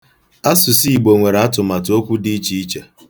Asụsụ Igbo nwere atụmatụ okwu dị iche iche.